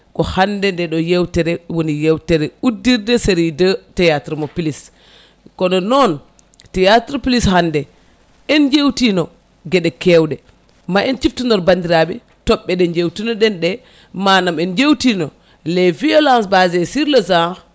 ko hande ndeɗo yewtere woni yewtere uddirde série 2 théâtre plus kono noon théâtre plus hande en jewtino gueɗe kewɗe ma en ciftanor bandiraɓe toɓɓe ɗe jewtunoɗen ɗe manam en jewtino les violences